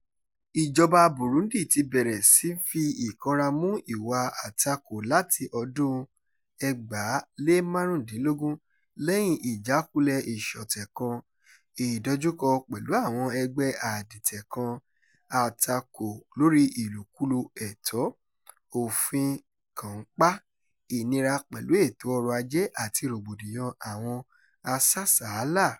Ìjọba Burundi ti bẹ̀rẹ̀ sí í fi ìkanra mú ìwà àtakò láti ọdún 2015, lẹ́yìn ìjákulẹ̀ ìṣọ̀tẹ̀ kan, ìdojúkọ pẹ̀lú àwọn ẹgbẹ́ adìtẹ̀ kan, àtakò lórí ìlòkulò ẹ̀tọ́, òfin kànńpá, ìnira pẹ̀lú ètò ọrọ̀-ajé àti rògbòdìyàn àwọn asásàálà.